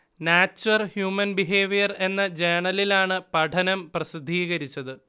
'nature human behaviour' എന്ന ജേണലിലാണ് പഠനം പ്രസിദ്ധീകരിച്ചത്